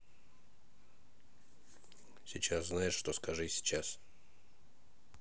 сейчас знаешь что скажи сейчас